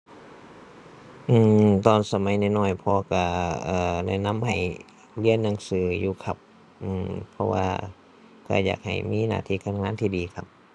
อืม ตอนสมัยน้อยน้อยพ่อก็ อ่า แนะนำให้เรียนหนังสืออยู่ครับ อืม เพราะว่าก็อยากให้มีหน้าที่การงานที่ดีครับ